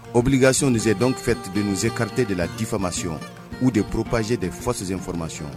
Obligation nous est donc faite de nous écarter de la diffamation ou de propager des fausses informations